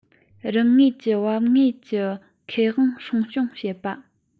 རང ངོས ཀྱི བབ འོས ཀྱི ཁེ དབང སྲུང སྐྱོང བྱེད པ